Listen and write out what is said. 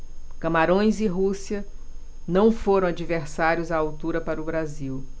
camarões e rússia não foram adversários à altura para o brasil